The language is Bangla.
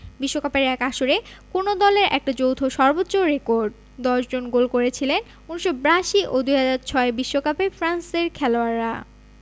বিশ্বকাপের এক আসরে কোনো দলের এটা যৌথ সর্বোচ্চ রেকর্ড ১০ জন গোল করেছিলেন ১৯৮২ ও ২০০৬ বিশ্বকাপে ফ্রান্সের খেলোয়াড়রা